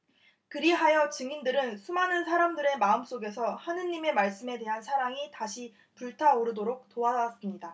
그리하여 증인들은 수많은 사람들의 마음속에서 하느님의 말씀에 대한 사랑이 다시 불타오르도록 도와 왔습니다